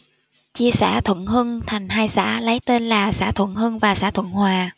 chia xã thuận hưng thành hai xã lấy tên là xã thuận hưng và xã thuận hòa